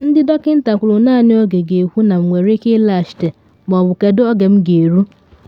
Ndị dọkịnta kwuru naanị oge ga-ekwu na m enwere ike ịlaghachite ma ọ bụ kedu oke m ga-eru.